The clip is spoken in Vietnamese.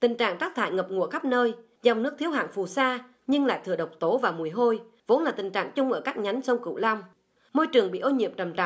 tình trạng rác thải ngập ngụa khắp nơi dòng nước thiếu hụt phù sa nhưng lại thừa độc tố và mùi hôi vốn là tình trạng chung ở các nhánh sông cửu long môi trường bị ô nhiễm trầm trọng